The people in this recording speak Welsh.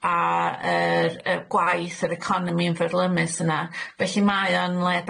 a yr yy gwaith yr economi yn fyrlymus yna felly mae o'n le